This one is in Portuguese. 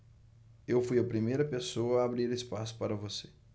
eu fui a primeira pessoa a abrir espaço para você